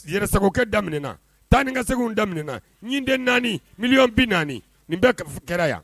Yɛrɛsakɛ damin tan ni ka sɛgɛ damin den naani miliyɔn bɛ naani nin bɛ kɛra yan